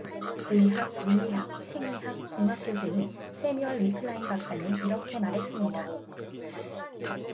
의학 물리학 생의학 공학 교수인 새뮤얼 위클라인 박사는 이렇게 말했습니다